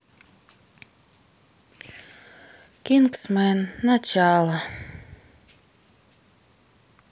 кингсмен начало